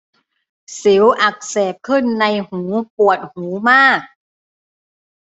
สิวอักเสบขึ้นในหูปวดหูมาก